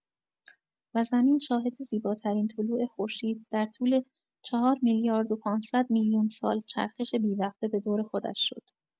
و زمین شاهد زیباترین طلوع خورشید در طول چهار میلیارد و پانصد میلیون سال چرخش بی‌وقفه به دور خودش شد.